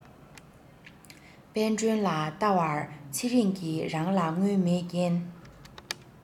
དཔལ སྒྲོན ལ བལྟ བར ཚེ རིང གི རང ལ དངུལ མེད རྐྱེན